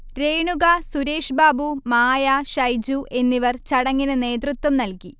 രേണുക, സുരേഷ്ബാബു, മായ, ഷൈജു എന്നിവർ ചടങ്ങിന് നേതൃത്വം നൽകി